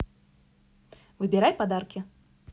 выбирай подарки